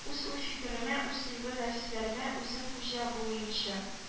Үз уй-фикеремә үз тойгы-нәфесләремә үзем хуҗа булыймчы